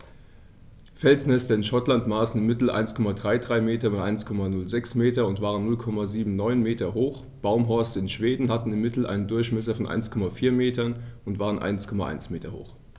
Felsnester in Schottland maßen im Mittel 1,33 m x 1,06 m und waren 0,79 m hoch, Baumhorste in Schweden hatten im Mittel einen Durchmesser von 1,4 m und waren 1,1 m hoch.